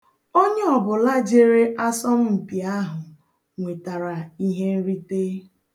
Onyeọbụla jere asọmmpi ahụ nwetara ihenrite.